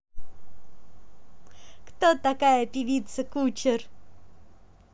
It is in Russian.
кто такая певица кучер